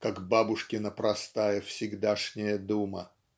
как бабушкина простая всегдашняя дума".